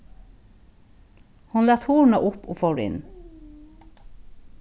hon læt hurðina upp og fór inn